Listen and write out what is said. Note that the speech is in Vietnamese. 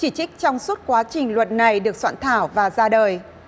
chỉ trích trong suốt quá trình luật này được soạn thảo và ra đời